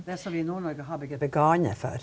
det som vi i Nord-Norge har begrepet gande for.